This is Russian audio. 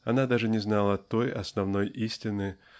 она даже не знала той основной истины